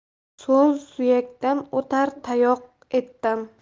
so'z suyakdan o'tar tayoq etdan